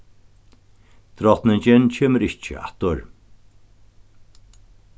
drotningin kemur ikki aftur